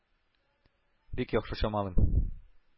Бик яхшы чамалыйм.